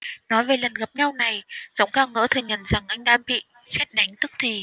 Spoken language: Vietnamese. nói về lần gặp nhau này giọng ca ngỡ thừa nhận rằng anh đã bị sét đánh tức thì